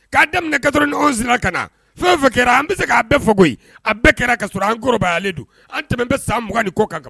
' daminɛ ka sen ka na fɛn kɛra an bɛ se k' bɛɛ fɔ a bɛɛ kɛra ka anbaya don an tɛm san muganani kɔ kan